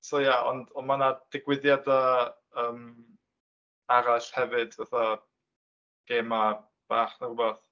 So ia, ond ond ma' 'na digwyddiadau yym arall hefyd, fatha gemau bach neu rwbath.